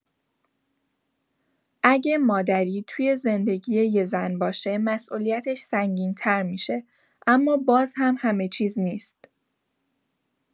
اگه مادری توی زندگی یه زن باشه، مسئولیتش سنگین‌تر می‌شه، اما باز هم همه‌چیز نیست.